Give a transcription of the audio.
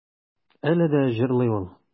Әле дә җырлый ул.